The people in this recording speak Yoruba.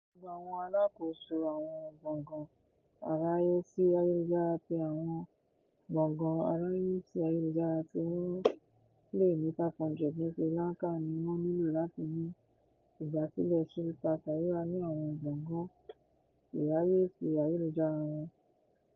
Gbogbo àwọn alákòóso àwọn gbọ̀ngàn ìráàyèsí ayélujára ti àwọn gbọ̀ngán ìráàyèsí ayélujára tí wọ́n lé ní 500 ní Sri Lanka ni wọ́n nílò láti ní ìgbàsílẹ̀ Shilpa Sayura ní àwọn gbọ̀ngàn ìráàyèsí ayélujára wọn.